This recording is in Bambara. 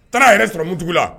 Taara sɔrɔ munugu la